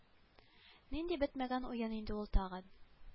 Нинди бетмәгән уен инде ул тагын